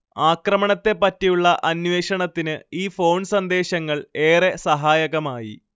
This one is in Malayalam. ആക്രമണത്തെപ്പറ്റിയുള്ള അന്വേഷണത്തിന് ഈ ഫോൺ സന്ദേശങ്ങൾ ഏറെ സഹായകമായി